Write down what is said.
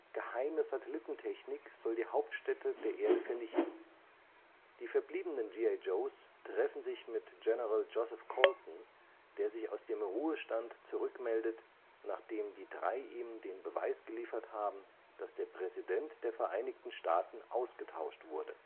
Geheime Satellitentechnik soll die Hauptstädte der Erde vernichten. Die verbliebenen G.I. Joes treffen sich mit General Joseph Colton, der sich aus dem Ruhestand zurückmeldet, nachdem die drei ihm den Beweis geliefert haben, dass der Präsident der Vereinigten Staaten ausgetauscht wurde